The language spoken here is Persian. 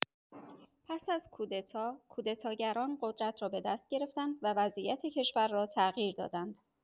پس از کودتا، کودتاگران قدرت را به دست گرفتند و وضعیت کشور را تغییر دادند.